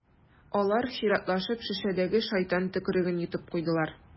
Алар чиратлашып шешәдәге «шайтан төкереге»н йотып куйдылар.